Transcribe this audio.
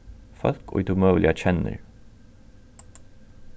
fólk ið tú møguliga kennir